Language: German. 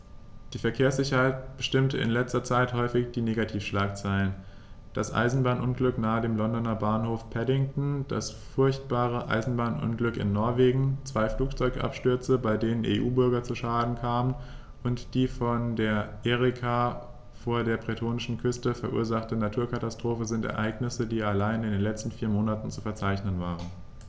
Die Verkehrssicherheit bestimmte in letzter Zeit häufig die Negativschlagzeilen: Das Eisenbahnunglück nahe dem Londoner Bahnhof Paddington, das furchtbare Eisenbahnunglück in Norwegen, zwei Flugzeugabstürze, bei denen EU-Bürger zu Schaden kamen, und die von der Erika vor der bretonischen Küste verursachte Naturkatastrophe sind Ereignisse, die allein in den letzten vier Monaten zu verzeichnen waren.